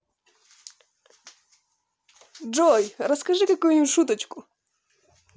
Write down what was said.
джой расскажи какую нибудь шуточку